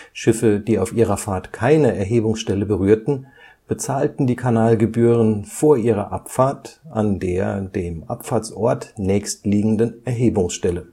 Schiffe, die auf ihrer Fahrt keine Erhebungsstelle berührten, bezahlten die Kanalgebühren vor ihrer Abfahrt an der dem Abfahrtsort nächstliegenden Erhebungsstelle